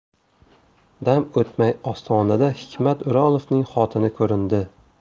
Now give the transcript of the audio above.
dam o'tmay ostonada hikmat o'rolovning xotini ko'rindi